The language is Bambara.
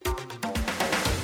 San